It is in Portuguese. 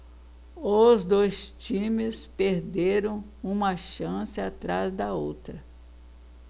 os dois times perderam uma chance atrás da outra